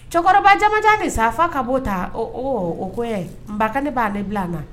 Cɛkɔrɔbajaja de sa fɔ ka bon ta o ko bak ne b' de bila a na